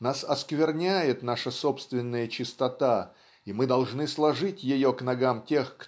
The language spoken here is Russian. нас оскверняет наша собственная чистота и мы должны сложить ее к ногам тех